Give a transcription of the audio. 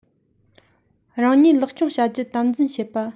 རང ཉིད ལེགས སྐྱོང བྱ རྒྱུ དམ འཛིན བྱེད པ